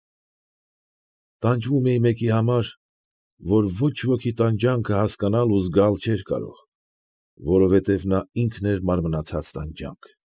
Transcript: Տանջվում էի մեկի համար, որ ոչ ոքի տանջանքը հասկանալ ու զգալ չէր կարող, որովհետև նա ինքն էր մարմնացած տանջանք։